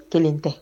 Kelen tɛ